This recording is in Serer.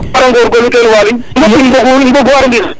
fada ngorgorlu ten Waly in fop in mbogu arrondissement